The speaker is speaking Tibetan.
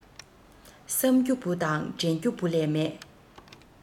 བསམ རྒྱུ བུ དང དྲན རྒྱུ བུ ལས མེད